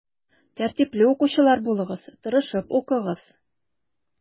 Тәртипле укучылар булыгыз, тырышып укыгыз.